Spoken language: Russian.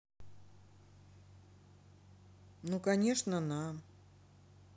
ну конечно на